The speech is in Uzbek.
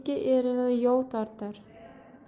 chiyki erni yov tortar